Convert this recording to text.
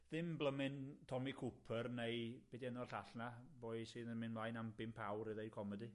ddim blymyn Tommy Cooper neu, be' 'di enw'r llall 'na, boi sydd yn mynd mlaen am bump awr i ddeud comedi?